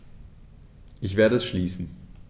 Ich werde es schließen.